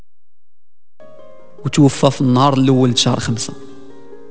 وتوفي في النار الاول شهر خمسه